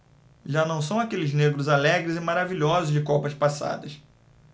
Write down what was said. já não são aqueles negros alegres e maravilhosos de copas passadas